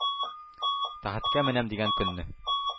Тәхеткә менәм дигән көнне,